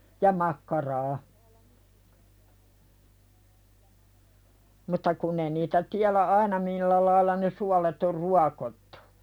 ja makkaraa mutta kun ei niitä tiedä aina millä lailla ne suolet on ruokottu